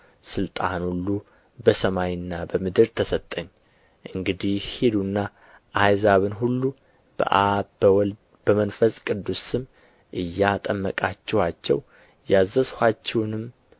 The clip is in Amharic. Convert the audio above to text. ሥልጣን ሁሉ በሰማይና በምድር ተሰጠኝ እንግዲህ ሂዱና አሕዛብን ሁሉ በአብ በወልድና በመንፈስ ቅዱስ ስም እያጠመቃችኋቸው ያዘዝኋችሁንም